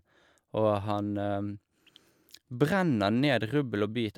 Og han brenner ned rubbel og bit.